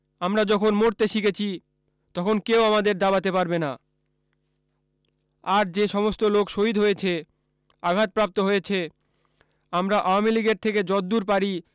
আমরা যখন মরতে শিখেছি তখন কেউ আমাদের দাবাতে পারবে না আর যে সমস্ত লোক শহীদ হয়েছে আঘাত প্রাপ্ত হয়েছে আমরা আওয়ামীলীগের থেকে যদ্দুর পারি